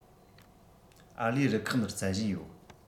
ཨར ལས རུ ཁག འདིར བཙལ བཞིན ཡོད